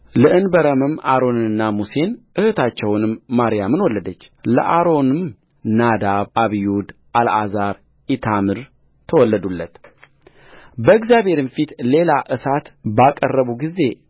ለእንበረምም አሮንንና ሙሴን እኅታቸውንም ማርያምን ወለደችለትለአሮንም ናዳብ አብዩድ አልዓዛር ኢታምር ተወለዱለትበእግዚአብሔርም ፊት ሌላ እሳት ባቀረቡ ጊዜ